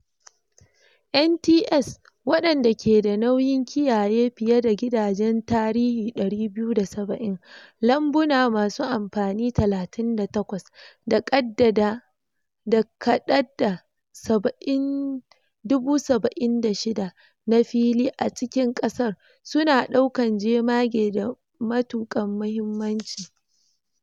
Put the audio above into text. NTS, waɗanda ke da nauyin kiyaye fiye da gidanjen tarii 270, lambuna masu amfani 38 da kadada 76,000 na fili a cikin kasar, su na daukan jemage da matukan mahimmanci.